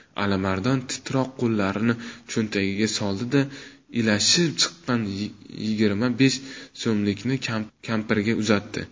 alimardon titroq qo'llarini cho'ntagiga soldi da ilashib chiqqan yigirma besh so'mlikni kampirga uzatdi